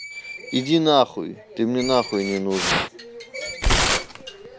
иди нахуй ты мне нахуй не нужен